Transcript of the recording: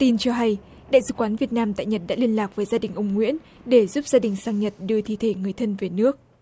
tin cho hay đại sứ quán việt nam tại nhật đã liên lạc với gia đình ông nguyễn để giúp gia đình sang nhật đưa thi thể người thân về nước